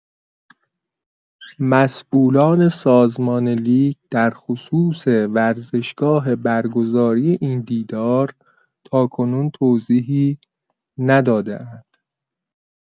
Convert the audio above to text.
مسئولان سازمان لیگ در خصوص ورزشگاه برگزاری این دیدار تاکنون توضیحی نداده‌اند.